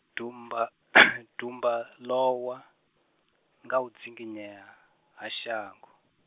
dumba, dumba lowa, nga u dzinginyea, ha shango.